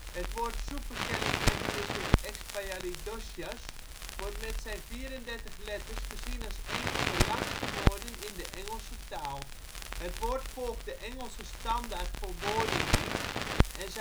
Het woord Supercalifragilisticexpialidocious wordt met zijn 34 letters gezien als een van de langste woorden in de Engelse taal. Het woord volgt de Engelse standaard voor woorden niet en